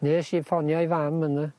Nesh i ffonio 'i fam yn y